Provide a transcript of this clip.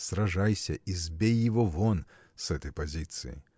Сражайся и сбей его вон с этой позиции.